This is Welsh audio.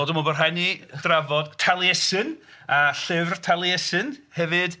Wel dwi'n meddwl bod rhaid i ni drafod Taliesin a Llyfr Taliesin hefyd.